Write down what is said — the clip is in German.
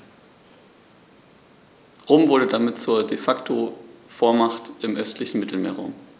Rom wurde damit zur ‚De-Facto-Vormacht‘ im östlichen Mittelmeerraum.